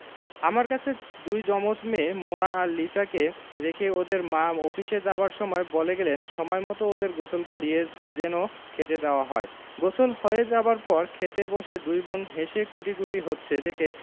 আমার কাছে দুই জমজ মেয়ে মোনা আর লিসাকে রেখে ওদের মা অফিসে যাবার সময় বলে গেলেন সময়মত ওদের গোসল করিয়ে যেন খেতে দেওয়া হয় গোসল হয়ে যাবার পর খেতে বসে দুই বোন হেসে কুটিকুটি হচ্ছে দেখে